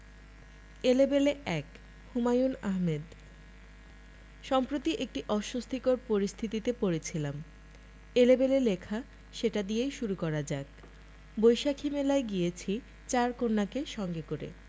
এলেবেলে ১ হুমায়ূন আহমেদ সম্প্রতি একটি অস্বস্তিকর পরিস্থিতিতে পড়েছিলাম এলেবেলে লেখা সেটা দিয়েই শুরু করা যাক বৈশাখী মেলায় গিয়েছি চার কন্যাকে সঙ্গে করে